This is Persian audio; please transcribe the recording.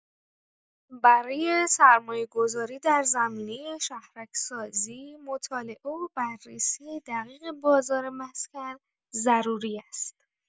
برای سرمایه‌گذاری در زمینه شهرک‌سازی، مطالعه و بررسی دقیق بازار مسکن ضروری است.